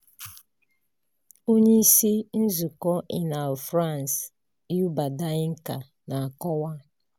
Onyeisi Nzukọ Inal-France, Youba Dianka, na-akọwa: